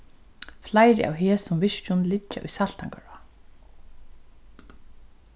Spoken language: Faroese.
fleiri av hesum virkjum liggja í saltangará